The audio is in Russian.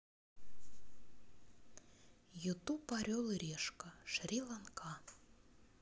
ютуб орел и решка шри ланка